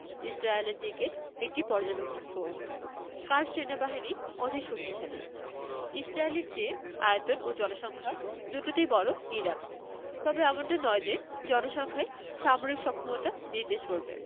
ইসরায়েলের দিকের একটি পর্যবেক্ষণ পোস্ট কার সেনাবাহিনী অধিক শক্তিশালী ইসরায়েলের চেয়ে আয়তন ও জনসংখ্যা দুটোতেই বড় ইরান তবে এমনটা নয় যে জনসংখ্যাই সামরিক সক্ষমতা নির্দেশ করবে